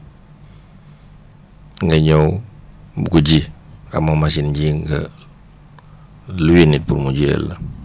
nga ñëw bëgg ko ji amoo machine yi nga loué nit pour mu jiyal la